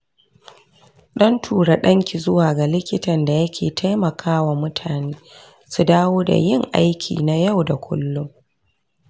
dan tura danki zuwa ga likitan da yake taimakawa mutane su dawo da yin aiki na yau da kullum.